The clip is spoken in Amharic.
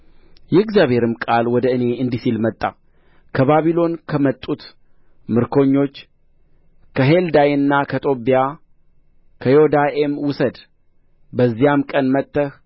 የእግዚአብሔርም ቃል ወደ እኔ እንዲህ ሲል መጣ ከባቢሎን ከመጡት ምርኮኞች ከሔልዳይና ከጦብያ ከዮዳኤም ውሰድ በዚያም ቀን መጥተህ